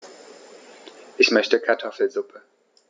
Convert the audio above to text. Ich möchte Kartoffelsuppe.